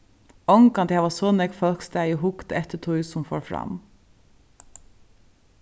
ongantíð hava so nógv fólk staðið og hugt eftir tí sum fór fram